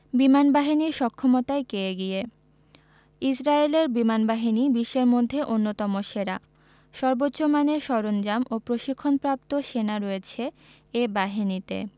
বিমানবাহীর সক্ষমতায় কে এগিয়ে ইসরায়েলের বিমানবাহিনী বিশ্বের মধ্যে অন্যতম সেরা সর্বোচ্চ মানের সরঞ্জাম ও প্রশিক্ষণপ্রাপ্ত সেনা রয়েছে এ বাহিনীতে